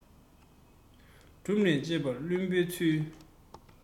གྲུབ ནས དཔྱོད པ བླུན པོའི ཚུལ